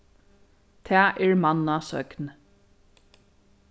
tað er manna søgn